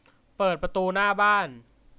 เปิดประตูหน้าบ้าน